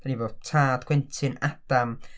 Dan ni efo tad Quentin, Adam.